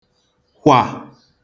kwà